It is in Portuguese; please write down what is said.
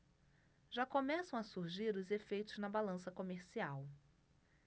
já começam a surgir os efeitos na balança comercial